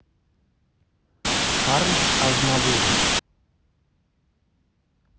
шарль азнавур